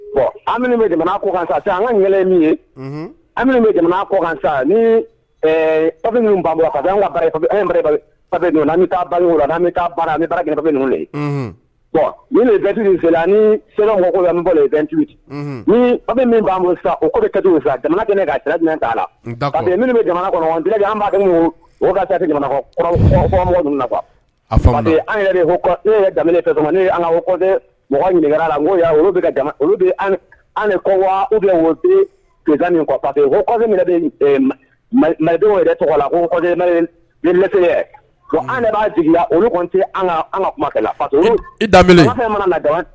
Bon an jamanakan an ka min ye an jamana kɔkan ni bɔ an minnu ni min' o'a la an na qu e ye ne ka mɔgɔ ɲininka la wada kɔ patedenw yɛrɛ tɔgɔ la ko an b'a jigin olu tɛ an ka an ka kuma